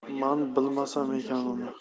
man bilmasam ekan uni